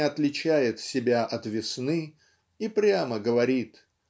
не отличает себя от весны и прямо говорит